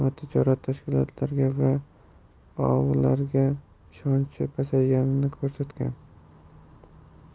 notijorat tashkilotlarga va oavlarga ishonchi pasayganini ko'rsatgan